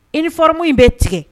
Uniforme in bɛ tigɛ